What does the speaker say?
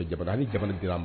Jamana ni jamana dir'a